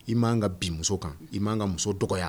I b'an ka bin muso kan i b'a ka muso dɔgɔ yan